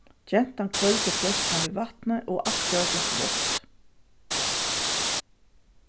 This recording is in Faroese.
gentan hvølvdi fløskuna við vatni og alt gjørdist vátt